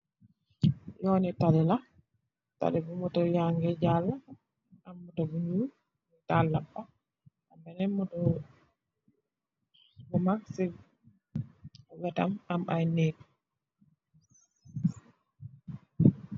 Yoon I tali la, tali bi otto yaa ngee jalë. Am otto bu ñuul taal lampa. Benen motto bu mag si wetam, am ay nëëk.